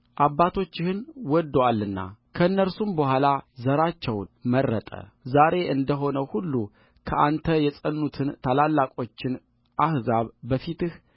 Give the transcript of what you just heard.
አባቶችህን ወድዶአልና ከእነርሱ በኋላ ዘራቸውን መረጠ ዛሬ እንደ ሆነው ሁሉ ከአንተ የጸኑትን ታላላቆችን አሕዛብ በፊትህ